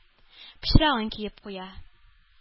Пычрагын коеп куя.